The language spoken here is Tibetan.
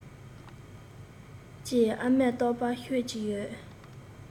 ཅེས ཨ མས རྟག པར ཤོད ཀྱི ཡོད